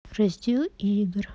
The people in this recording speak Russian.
раздел игр